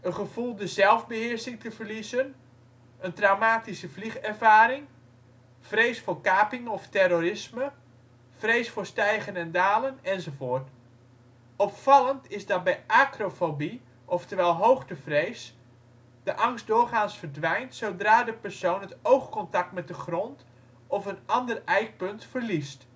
gevoel de zelfbeheersing te verliezen; een traumatische vliegervaring; vrees voor kapingen of terrorisme; vrees voor stijgen en dalen; enz. Opvallend is dat bij acrofobie, oftewel hoogtevrees, de angst doorgaans verdwijnt zodra de persoon het oogcontact met de grond of een ander ijkpunt verliest